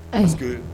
Anw